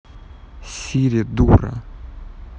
сири дура